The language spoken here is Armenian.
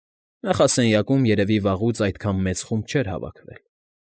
Նախասենյակում, երևի, վաղուց այդքան մեծ խումբ չէր հավաքվել։